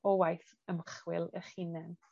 o waith ymchwil 'ych hunen.